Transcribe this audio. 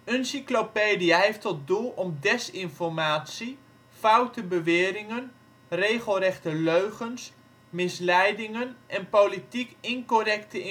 Uncyclopedia heeft tot doel om desinformatie, foute beweringen, regelrechte leugens, misleidingen en politiek incorrecte